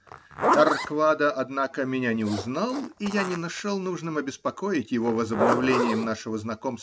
Херр Квада, однако, меня не узнал, и я не нашел нужным обеспокоить его возобновлением нашего знакомства.